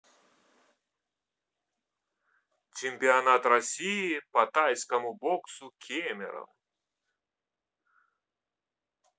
чемпионат россии по тайскому боксу кемерово